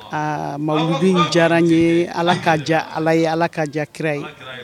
Aa bɛ diyara n ye ala ka diya ala ye ala ka ja kira ye